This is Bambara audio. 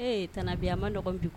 Ee tantie Abi, a man nɔgɔn bi